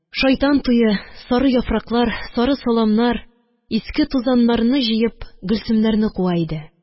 Шайтан туе, сары яфраклар, сары саламнар, иске тузаннарны җыеп, Гөлсемнәрне куа иде